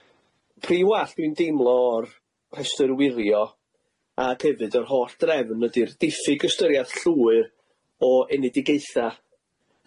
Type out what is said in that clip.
Pry wallt dwi'n deimlo o'r rhestyr wirio ag hefyd yr holl drefn ydi'r diffyg ystyriaeth llwyr o enedigaetha,